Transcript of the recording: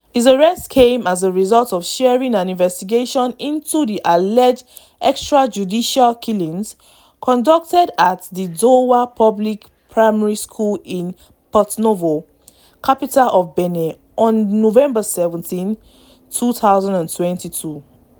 His arrest came as a result of sharing an investigation into the alleged extrajudicial killings conducted at the Dowa public primary school in Porto-Novo (capital of Benin) on November 17, 2022.